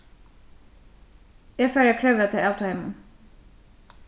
eg fari at krevja tað av teimum